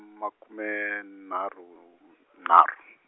makume nharhu , nharhu.